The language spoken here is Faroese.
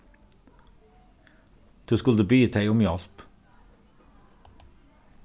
tú skuldi biðið tey um hjálp